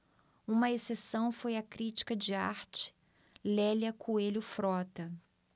uma exceção foi a crítica de arte lélia coelho frota